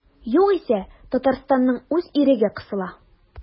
Югыйсә Татарстанның үз иреге кысыла.